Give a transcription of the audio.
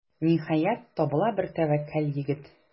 Ниһаять, табыла бер тәвәккәл егет.